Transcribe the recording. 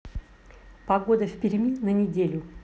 погода в перми на неделю